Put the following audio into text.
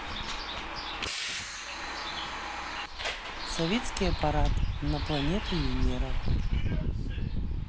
советский аппарат на планету венера